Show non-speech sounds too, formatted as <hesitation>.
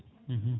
<hesitation> <hesitation>